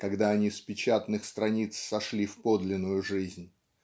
когда они с печатных страниц сошли в подлинную жизнь.